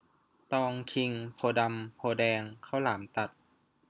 ตองคิงโพธิ์ดำโพธิ์แดงข้าวหลามตัด